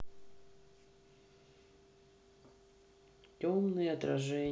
темные отражения